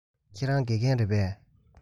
ཁྱེད རང དགེ རྒན རེད པས